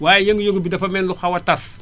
waaye yëngu-yëngu bi dafa mel ne lu xaw a tas